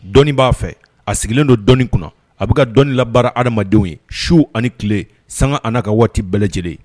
Dɔni b' aa fɛ a sigilen don dɔɔnin kunna a bɛ ka dɔnnii la ha adamadamadenw ye su ani tile san ani ka waati bɛɛ lajɛlen ye